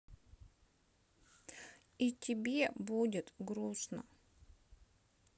и тебе будет грустно